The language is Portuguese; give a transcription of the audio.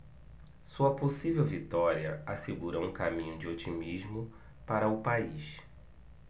sua possível vitória assegura um caminho de otimismo para o país